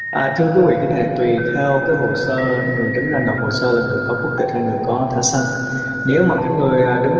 thưa quý vị có thể tùy theo cái hồ sơ người đứng ra nộp hồ sơ là người có quốc tịch hai người có thẻ xanh nếu mà cái người đứng ra